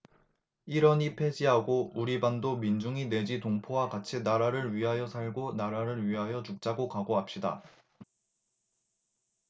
일언이폐지하고 우리 반도 민중도 내지 동포와 같이 나라를 위하여 살고 나라를 위하여 죽자고 각오합시다